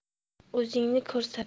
o'zingni ko'rsat